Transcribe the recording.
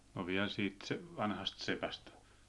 no vielä siitä vanhasta sepästä